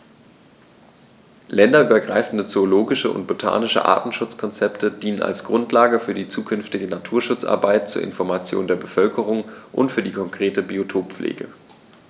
Länderübergreifende zoologische und botanische Artenschutzkonzepte dienen als Grundlage für die zukünftige Naturschutzarbeit, zur Information der Bevölkerung und für die konkrete Biotoppflege.